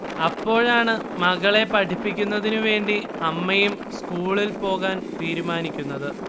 അപ്പോഴാണ് മകളെ പഠിപ്പിക്കുന്നതിനുവേണ്ടി അമ്മയും സ്ക്കൂളിൽ പോകാൻ തീരുമാനിക്കുന്നത്